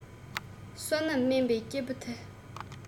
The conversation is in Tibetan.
བསོད ནམས དམན པའི སྐྱེ བུ དེར